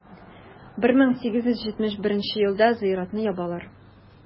1871 елда зыяратны ябалар.